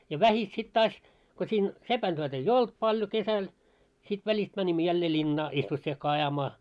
ja vähitellen sitten taas kun siinä sepäntyöt ei ollut paljon kesällä sitten välistä menimme jälleen linnaan isvossikkaa ajamaan